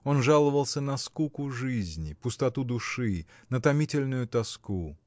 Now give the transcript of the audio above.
Он жаловался на скуку жизни, пустоту души, на томительную тоску.